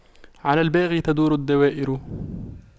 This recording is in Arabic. على الباغي تدور الدوائر